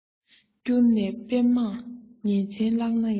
བསྐྱུར ནས དཔེ མང ཉིན མཚན བཀླགས ན ཡང